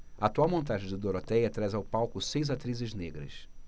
a atual montagem de dorotéia traz ao palco seis atrizes negras